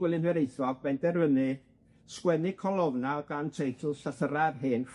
Gwilym Hiraethog benderfynu sgwennu colofna o dan teitl llythyra'r hen